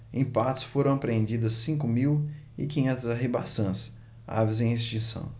em patos foram apreendidas cinco mil e quinhentas arribaçãs aves em extinção